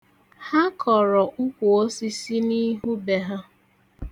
Ha kọrọ ukwuosisi n'ihu be ha